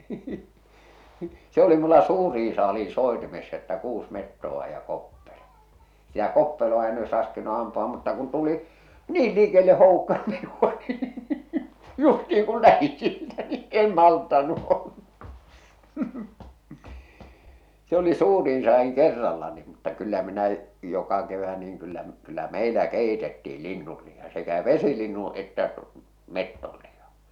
se oli minulla suurin saalis soitimessa että kuusi metsoa ja koppelo sitä koppeloa en olisi raskinut ampua mutta kun tuli niin likelle houkka minua niin justiin kun lähdin siitä niin en malttanut olla se oli suurin saadin kerralla niin mutta kyllä minä joka kevät niin kyllä kyllä meillä keitettiin linnun liha sekä vesilinnun että metson liha